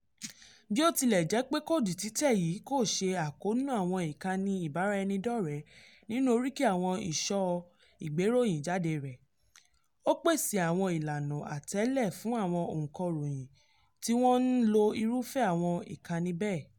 Bí ó tilẹ̀ jẹ́ pé kóòdù títẹ̀ yìí kò ṣe àkóónú àwọn ìkànnì ìbáraẹnidọ́rẹ̀ẹ́ nínú oríkì àwọn ìṣọ̀ ìgbéròyìn jáde rẹ̀, ó pèsè àwọn ìlànà àátẹ̀lé fún àwọn ọ̀ǹkọ̀ròyìn tí wọ́n ń lo irúfẹ́ àwọn ìkànnì bẹ́ẹ̀.